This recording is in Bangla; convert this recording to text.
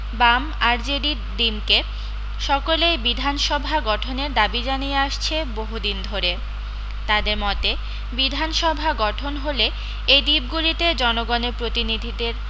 বাম আরজেডি ডিমকে সকলেই বিধানসভা গঠনের দাবি জানিয়ে আসছে বহুদিন ধরে তাদের মতে বিধানসভা গঠন হলে এই দ্বীপগুলিতে জনগণের প্রতিনিধিদের